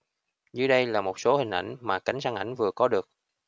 dưới đây là một số hình ảnh mà cánh săn ảnh vừa có được